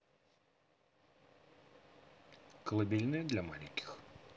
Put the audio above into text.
колыбельная для маленьких